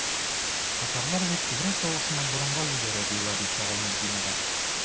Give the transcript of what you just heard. Татарлар бит күбрәк тавышны борынга җибәрә, ди Лариса Гайнетдинова.